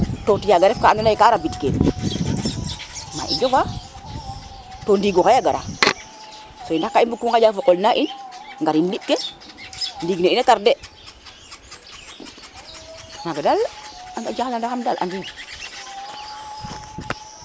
to tiya ga ref ka ando naye ka rabid kel ma jofa to ndigo xaya gara so ndax ka i mbuko ŋaƴa qol na in ngarid liɓ ke ndig ne a tarder maga daal jaxla ndaxam dal andim